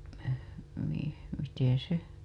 no - miten se